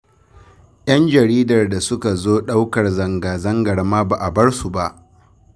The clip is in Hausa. Yan jaridar da suka zo ɗaukar zangazangar ma ba a bar su ba.